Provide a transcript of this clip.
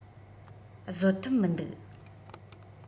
བཟོད ཐབས མི འདུག